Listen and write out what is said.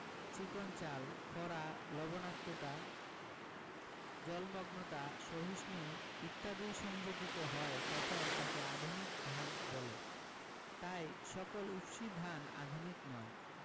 চিকন চাল খরা লবনাক্ততা জলমগ্নতা সহিষ্ণু ইত্যাদি সংযোজিত হয় তখন তাকে আধুনিক ধান বলে তাই সকল উফশী ধান আধুনিক নয়